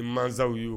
Mansaw y'u